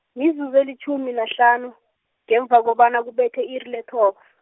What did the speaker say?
mizuzu elitjhumi nahlanu, ngemva kobana kubethe iri lethoba.